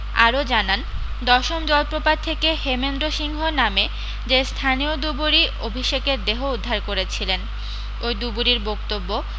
আরও জানান দশম জলপ্রপাত থেকে হেমেন্দ্র সিংহ নামে যে স্থানীয় ডুবুরি অভিষেকের দেহ উদ্ধার করেছিলেন ওই ডুবুরির বক্তব্য